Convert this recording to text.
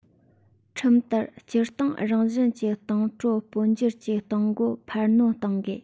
ཁྲིམས ལྟར སྤྱིར བཏང རང བཞིན གྱི གཏོང སྤྲོད སྤོ བསྒྱུར གྱི གཏོང སྒོ འཕར སྣོན གཏོང དགོས